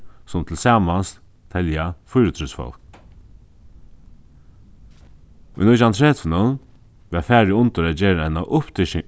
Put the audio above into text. sum tilsamans telja fýraogtrýss fólk í nítjanhundraðogtretivunum varð farið undir at gera eina